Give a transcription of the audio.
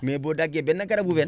mais boo daggee benn garabu veine